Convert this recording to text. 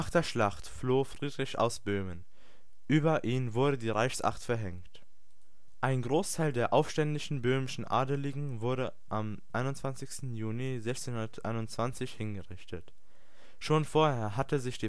der Schlacht floh Friedrich aus Böhmen, über ihn wurde die Reichsacht verhängt. Ein Großteil der aufständischen böhmischen Adeligen wurde am 21. Juni 1621 hingerichtet. Schon vorher hatte sich